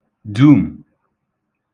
dum̀